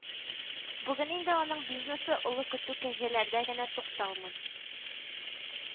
Бүген инде аның бизнесы олы көтү кәҗәләрдә генә тукталмый